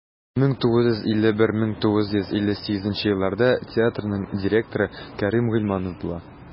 1951-1958 елларда театрның директоры кәрим гыйльманов була.